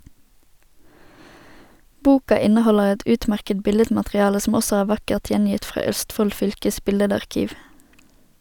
Boka inneholder et utmerket billedmateriale som også er vakkert gjengitt fra Østfold fylkes billedarkiv.